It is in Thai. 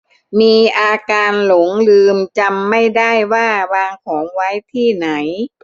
มีอาการหลงลืมจำไม่ได้ว่าวางของไว้ที่ไหน